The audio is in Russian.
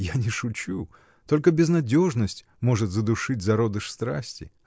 Я не шучу: только безнадежность может задушить зародыш страсти.